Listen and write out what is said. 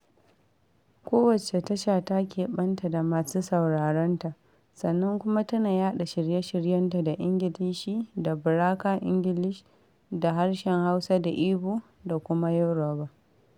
Kowace tasha ta keɓanta da masu sauraron ta, sannan kuma tana yaɗa shirye-shiryenta da Ingilishi da Buraka Ingilish da harshen Hausa da Igbo da kuma Yoruba.